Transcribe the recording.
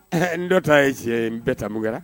Ɛɛ n dɔ t'a ye cɛ n bɛɛ taaugu la